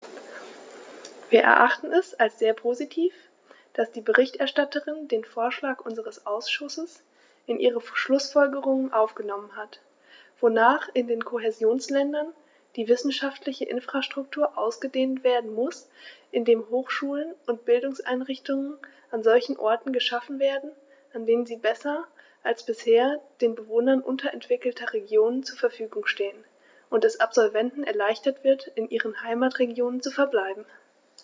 Wir erachten es als sehr positiv, dass die Berichterstatterin den Vorschlag unseres Ausschusses in ihre Schlußfolgerungen aufgenommen hat, wonach in den Kohäsionsländern die wissenschaftliche Infrastruktur ausgedehnt werden muss, indem Hochschulen und Bildungseinrichtungen an solchen Orten geschaffen werden, an denen sie besser als bisher den Bewohnern unterentwickelter Regionen zur Verfügung stehen, und es Absolventen erleichtert wird, in ihren Heimatregionen zu verbleiben.